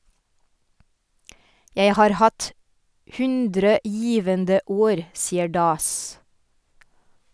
- Jeg har hatt 100 givende år , sier Das.